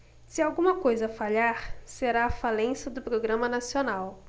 se alguma coisa falhar será a falência do programa nacional